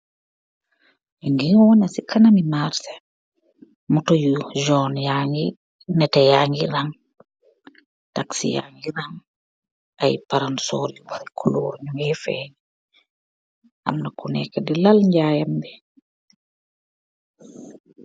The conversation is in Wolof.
Nuge wanee se kanam me marseh motor yu yonn yage netee yage rang, Taxi yagi rang aye palansurr yu am coloor nuge feng, am na ku neka de lal jayam bi.